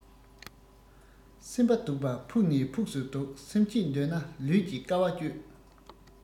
སེམས པ སྡུག པ ཕུགས ནས ཕུགས སུ སྡུག སེམས སྐྱིད འདོད ན ལུས ཀྱིས དཀའ བ སྤྱོད